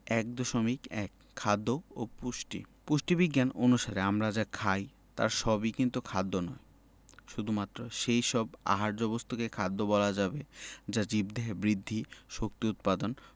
১.১ খাদ্য ও পুষ্টি পুষ্টিবিজ্ঞান অনুসারে আমরা যা খাই তার সবই কিন্তু খাদ্য নয় শুধুমাত্র সেই সব আহার্য বস্তুকেই খাদ্য বলা যাবে যা জীবদেহে বৃদ্ধি শক্তি উৎপাদন